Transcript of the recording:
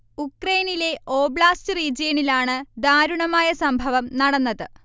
ഉക്രെയിനിലെ oblast റീജിയണിലാണ് ദാരുണമായ സംഭവം നടന്നത്